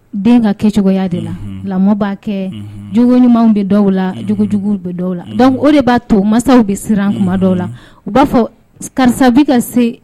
Den ka kɛ cogoya de la; Unhun; lamɔ b'a kɛ, unhun, jogo ɲumanw bɛ dɔw la, unhun, jogo juguw bɛ dɔw la, unhun, donc o de b'a to mansaw bɛ siran tuma dɔw la, unhun, u b'a fɔ karisa bi ka se